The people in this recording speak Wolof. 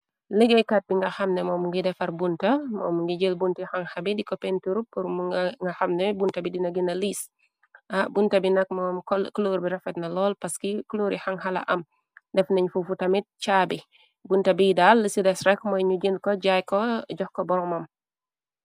Liggéeykat bi nga xamne moo mu ngi defar bunta moo mu ngi jël bunti hanha bi diko pentur por mu nga xamne bunta bi dina gina leas bunta bi nag moom cluor bi rafet na lool paski clori xanhala am def nañ fu futamit caa bi bunta biy dal lisi des rek mooy ñu jën ko jaay ko jox ko boromoom.